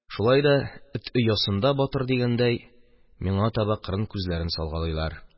Шулай да, эт оясында батыр дигәндәй, миңа таба кырын күзләрен салгалыйлар.